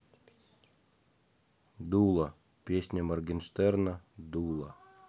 дуло песня моргенштерна дуло